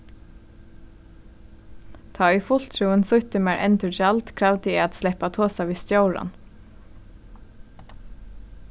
tá ið fulltrúin sýtti mær endurgjald kravdi eg at sleppa at tosa við stjóran